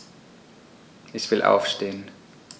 Ich will aufstehen.